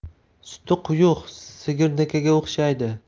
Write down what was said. suti quyuq sigirnikiga o'xshaydi